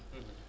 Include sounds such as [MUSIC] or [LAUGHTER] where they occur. [HESITATION] [HESITATION]